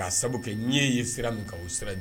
Ka sabu kɛ ɲɛ ye sira min k' sira